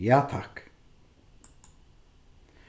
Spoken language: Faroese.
ja takk